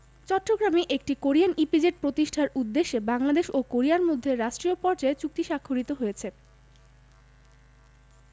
চট্টগ্রামে একটি Korean EPZ প্রতিষ্ঠার উদ্দেশ্যে বাংলাদেশ ও কোরিয়ার মধ্যে রাষ্ট্রীয় পর্যায়ে চুক্তি স্বাক্ষরিত হয়েছে